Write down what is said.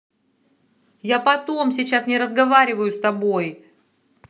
я потом сейчас не разговариваю с тобой